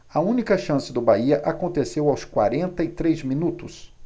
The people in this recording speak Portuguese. a única chance do bahia aconteceu aos quarenta e três minutos